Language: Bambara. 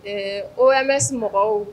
Ee o yanmɛmɔgɔw